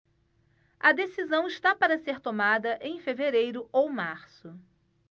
a decisão está para ser tomada em fevereiro ou março